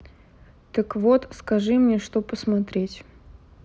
так вот скажи мне что посмотреть